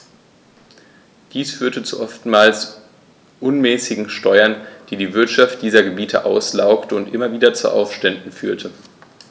Dies führte zu oftmals unmäßigen Steuern, die die Wirtschaft dieser Gebiete auslaugte und immer wieder zu Aufständen führte.